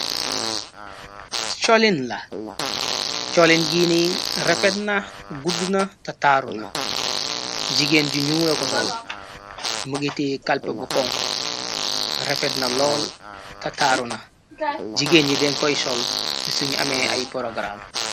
Cholin la cholin gi ni refetna gudd na tataaru na jigéen ju ñuu la. Ko sol mëgiti kalp bu konk refet na lool ta taaru na. Jigéen yi denkoy sol su suñu amee ay porogaram.